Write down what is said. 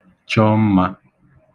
chọ mmā